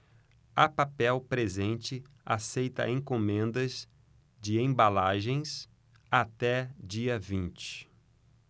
a papel presente aceita encomendas de embalagens até dia vinte